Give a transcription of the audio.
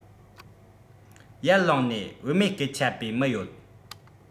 ཡར ལངས ནས བད མེད སྐད ཆ པའི མི ཡོད